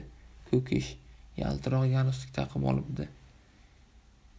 ko'kish yaltiroq galstuk taqib olibdi